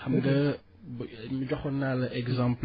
xam nga ba ñu joxoon naala exemple